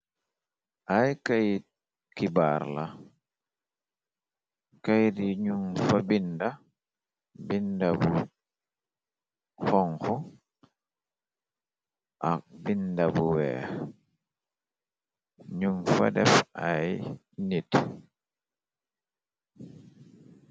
Ay kayt xibaar la, kayti yi num fa binda binda bu xonxu, ak binda bu weex. Num fa def ay nit.